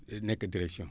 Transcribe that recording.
nekkee direction